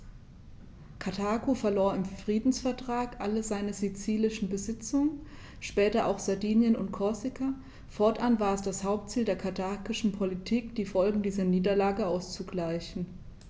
Karthago verlor im Friedensvertrag alle seine sizilischen Besitzungen (später auch Sardinien und Korsika); fortan war es das Hauptziel der karthagischen Politik, die Folgen dieser Niederlage auszugleichen.